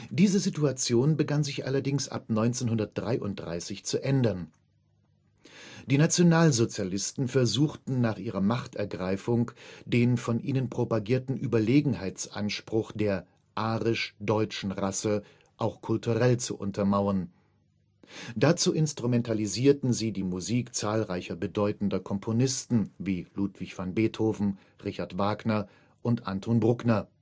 Diese Situation begann sich allerdings ab 1933 zu ändern: Die Nationalsozialisten versuchten nach ihrer Machtergreifung, den von ihnen propagierten Überlegenheitsanspruch der „ arisch-deutschen Rasse “auch kulturell zu untermauern. Dazu instrumentalisierten sie die Musik zahlreicher bedeutender Komponisten wie Ludwig van Beethoven, Richard Wagner und Anton Bruckner